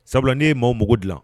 Sabulain ye maaw mugu dilan